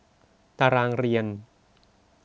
ตารางเรียน